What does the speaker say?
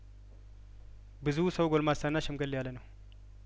ብዙው ሰው ጐልማሳና ሸምገል ያለነው